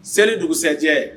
Seli dugusɛcɛ